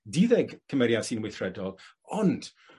Duddeg cymeriad sy'n weithredol, ond